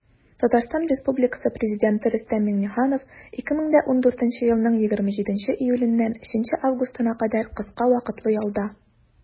Татарстан Республикасы Президенты Рөстәм Миңнеханов 2014 елның 27 июленнән 3 августына кадәр кыска вакытлы ялда.